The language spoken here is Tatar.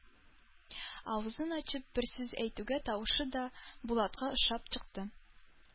Авызын ачып бер сүз әйтүгә тавышы да Булатка ошап чыкты.